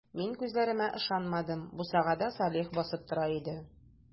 Мин үз күзләремә ышанмадым - бусагада Салих басып тора иде.